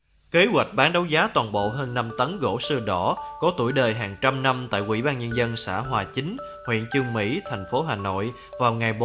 kế hoạch bán đấu giá toàn bộ hơn tấn gỗ sưa đỏ có tuổi đời hàng trăm năm tại ubnd xã hòa chính huyện chương mỹ hà nội vào ngày